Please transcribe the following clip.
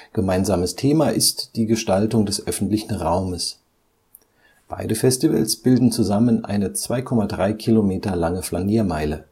Gemeinsames Thema ist die Gestaltung des öffentlichen Raums. Beide Festivals bilden zusammen eine 2,3 Kilometer lange Flaniermeile